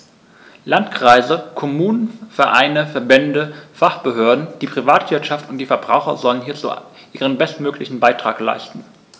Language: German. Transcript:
Landkreise, Kommunen, Vereine, Verbände, Fachbehörden, die Privatwirtschaft und die Verbraucher sollen hierzu ihren bestmöglichen Beitrag leisten.